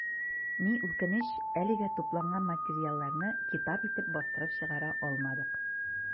Ни үкенеч, әлегә тупланган материалларны китап итеп бастырып чыгара алмадык.